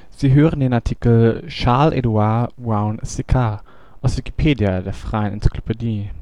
Sie hören den Artikel Charles-Édouard Brown-Séquard, aus Wikipedia, der freien Enzyklopädie